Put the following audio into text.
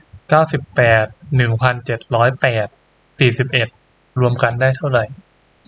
เก้าสิบแปดหนึ่งพันเจ็ดร้อยแปดสี่สิบเอ็ดรวมกันได้เท่าไหร่